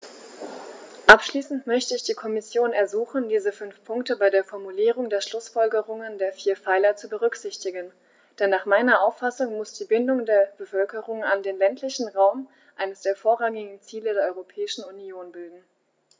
Abschließend möchte ich die Kommission ersuchen, diese fünf Punkte bei der Formulierung der Schlußfolgerungen der vier Pfeiler zu berücksichtigen, denn nach meiner Auffassung muss die Bindung der Bevölkerung an den ländlichen Raum eines der vorrangigen Ziele der Europäischen Union bilden.